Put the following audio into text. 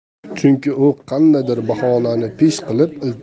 chunki u qandaydir bahonani pesh qilib